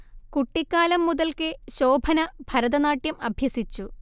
കുട്ടിക്കാലം മുതൽക്കേ ശോഭന ഭരതനാട്യം അഭ്യസിച്ചു